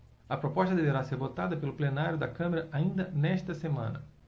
a proposta deverá ser votada pelo plenário da câmara ainda nesta semana